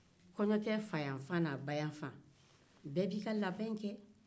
kɔɲɔkɛ fayanfan n'a bayanfan bɛɛ b'i ka laben kɛ